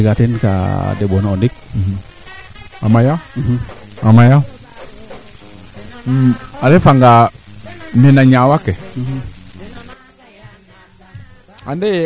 xaƴa te jeg communauté kaa ando naye kaa nam comité kaa ando naye kaa de tan kaa den manam wiin wa de tan na xaƴa a mbiya na den kaa nan na nen